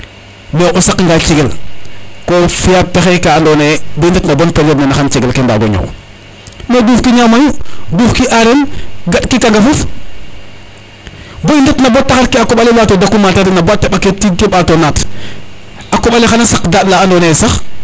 mais o saqa nga cegel ko fiya pexey ka ando naye bo i ndetna bon periode nene xan cegel ke mbago ñoow mais duufki ñaaw mayu dufki arel ga ki kangof fof bo i ndetna na bo taxar ke a koɓale daku mate re ina ba teɓake tiiɗ ke ɓato naat a koɓale xana saq daaɗ la ando naye sax